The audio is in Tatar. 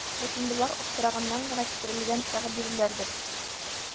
Ләкин болар аптыраганнан гына китерелгән тәгъбирләрдер.